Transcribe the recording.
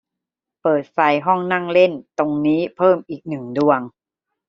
เปิดไฟห้องนั่งเล่นตรงนี้เพิ่มอีกหนึ่งดวง